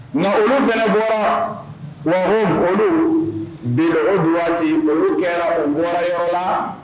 Nka olu fana bɔra wa olu bi o olu kɛra u bɔra yɔrɔ la